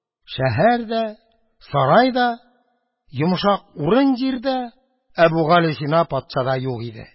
Шәһәр дә, сарай да, йомшак урын-җир дә, Әбүгалисина патша да юк иде.